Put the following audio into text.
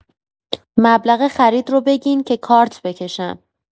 مبلغ خرید رو بگین که کارت بکشم.